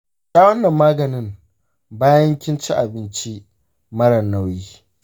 ki sha wannan maganin bayan kin ci abinci mara nauyi.